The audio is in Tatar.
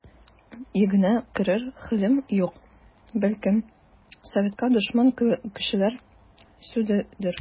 Йөгенә керер хәлем юк, бәлкем, советка дошман кешеләр сүзедер.